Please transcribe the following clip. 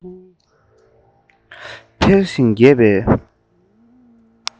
འཕེལ ཞིང རྒྱས པའི